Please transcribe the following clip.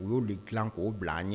U y'o de dilan k'o bila ye